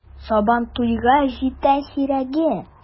Сабан туйга җитә сирәге!